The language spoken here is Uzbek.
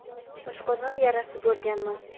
oshqozon yarasi bo'lganman